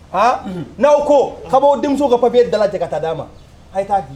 Ha n'aw ko kaba bɔ denmuso ka papie dalajɛ ka' d dia ma a ye t'a di